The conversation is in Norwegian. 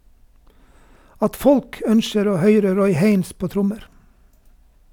- At folk ønskjer å høyre Roy Haynes på trommer.